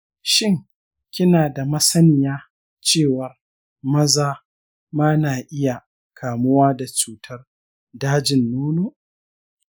shin kina da masaniya cewar maza ma na iya kamuwa da cutar dajin nono?